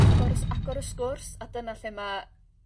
agor y s- agor y sgwrs. A dyna lle ma'